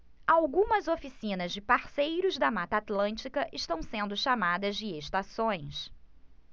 algumas oficinas de parceiros da mata atlântica estão sendo chamadas de estações